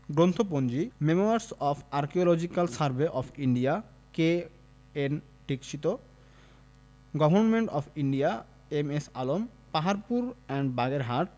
গ্রন্থপঞ্জিঃ memoirs of archaeological survey of India K N Dikshit government of India M S Alam Paharpur and Bagerhat